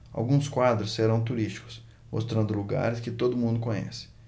alguns quadros serão turísticos mostrando lugares que todo mundo conhece